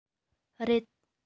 རེད